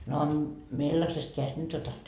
no millaisesta kädestä nyt otat